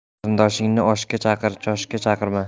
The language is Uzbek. qarindoshingni oshga chaqir choshga chaqirma